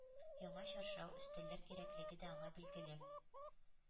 Яңа чаршау, өстәлләр кирәклеге дә аңа билгеле.